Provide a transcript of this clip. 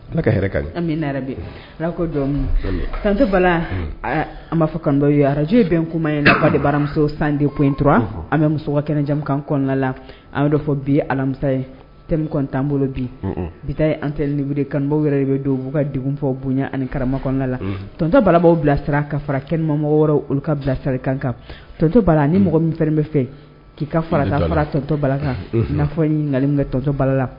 Bi n'ato bala an b'a fɔ kanutɔ ye ararajye bɛn kuma ye n'a de baramuso san de ko intura an bɛ muso kɛnɛjakan kɔnɔna la an fɔ bi alamisa tanan bolo bi bita an tɛli kanubaw yɛrɛ de don b'u ka fɔ bonya ani karama la ttɔntɔ balabaw bilasira ka fara kɛnɛmamɔgɔ wɛrɛ olu ka bila sari kan kan tɔtɔ bala ni mɔgɔ min fɛn bɛ fɛ k'i ka fara fara tɔtɔ bala kan'a fɔ'li kɛ tɔntɔ bala la